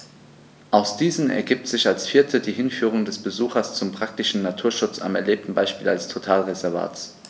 Aus diesen ergibt sich als viertes die Hinführung des Besuchers zum praktischen Naturschutz am erlebten Beispiel eines Totalreservats.